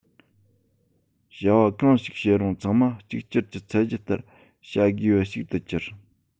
བྱ བ གང ཞིག བྱེད རུང ཚང མ གཅིག གྱུར གྱི ཚད གཞི ལྟར བྱ དགོས པ ཞིག ཏུ གྱུར